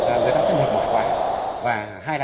là người ta sẽ mệt mỏi quá và hai